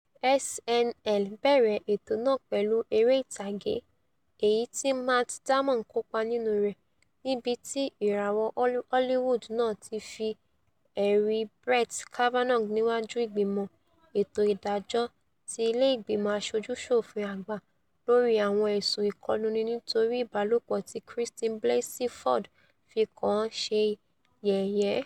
SNL bẹ̀rẹ̀ ètò náà pẹ̀lú eré ìtàgé èyití Matt Damon kópa nínú rẹ̀ níbití ìràwọ̀ Hollywood náà ti fi ẹ̀rí Brett Kavanaugh nìwáju Ìgbìmọ Ètò Ìdájọ́ ti Ilé Ìgbìmọ̀ Aṣojú-ṣòfin Àgbà lori àwọn ẹ̀sùn ìkọluni nítorí ìbálòpọ̀ tí Christine Blassey Ford fi kàn án ṣe yẹ̀yẹ̵́.